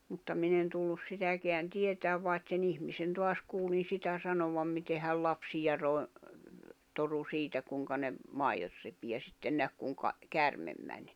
mutta minä en tullut sitäkään tietämään vaan sen ihmisen taas kuulin sitä sanovan miten hän lapsia - torui siitä kuinka ne maidot repi ja sitten näki kuinka käärme meni